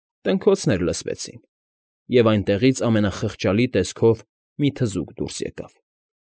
Տնքոցներ լսվեցին, և այնտեղից ամենախղճալի տեսքով մի թզուկ դուրս եկավ։